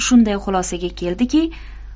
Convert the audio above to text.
shunday xulosaga keldiki